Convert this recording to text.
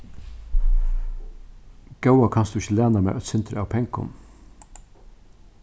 góða kanst tú ikki læna mær eitt sindur av pengum